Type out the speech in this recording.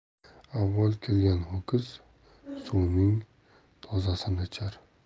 avval kelgan ho'kiz suvning tozasini ichar